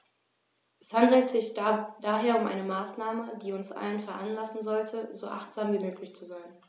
Es handelt sich daher um eine Maßnahme, die uns alle veranlassen sollte, so achtsam wie möglich zu sein.